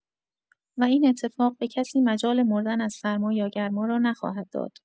و این اتفاق به کسی مجال مردن از سرما یا گرما را نخواهد داد.